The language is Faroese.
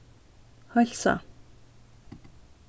heilsa